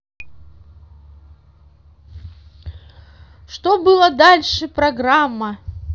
что было дальше программа